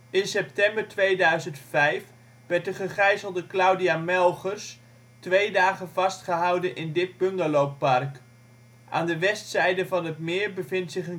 In september 2005 werd de gegijzelde Claudia Melchers twee dagen vastgehouden in dit bungalowpark. Aan de westzijde van het meer bevindt zich